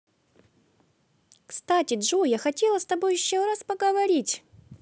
кстати джой я хотела с тобой еще раз поговорить